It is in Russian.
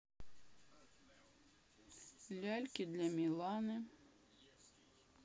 ляльки для миланы